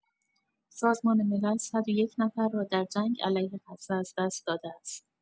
سازمان ملل ۱۰۱ نفر را در جنگ علیه غزه از دست داده است.